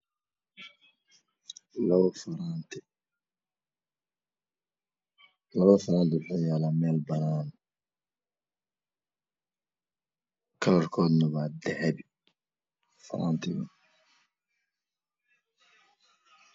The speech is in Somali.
Labo faraanti waxay yaalana meel banaan kalarkeedu waa dahabi